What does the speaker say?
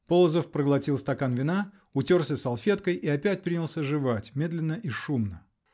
Полозов проглотил стакан вина, уперся салфеткой и опять принялся жевать -- медленно и шумно.